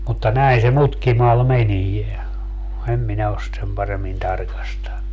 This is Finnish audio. mutta näin se mutkimalla menee en minä ole sitä sen paremmin tarkastanut